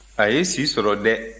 a ye si sɔrɔ dɛ